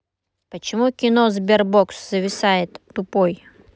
почему кино sberbox зависает тупой